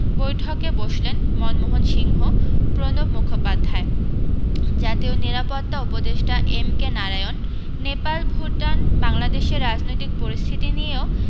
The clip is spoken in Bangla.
বৈঠকে বসলেন মনমোহন সিংহ প্রণব মুখোপাধ্যায় জাতীয় নিরাপত্তা উপদেষ্টা এম কে নারায়ণন নেপাল ভুটান বাংলাদেশের রাজনৈতিক পরিস্থিতি নিয়েও